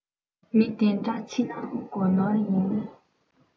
མི དེ འདྲ ཕྱི ནང གོ ནོར ཡིན